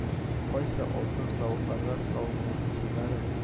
Кайсы алтын савытларга салынган сигара